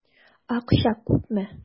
Акча күпме?